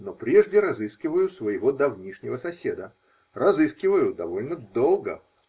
Но прежде разыскиваю своего давнишнего соседа. Разыскиваю довольно долго.